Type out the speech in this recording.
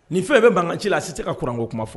Ni fɛn o bɛ bangan ci la a tɛ se ka kuranko kuma fɔ